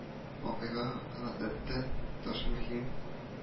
Вакыйга гадәттән тыш мөһим